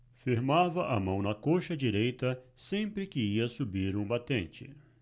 firmava a mão na coxa direita sempre que ia subir um batente